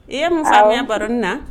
Awɔ I ye mun famuya baronin na?